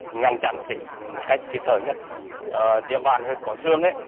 ngăn chặn dịch một cách kịp thời nhất ờ địa bàn huyện quảng xương ấy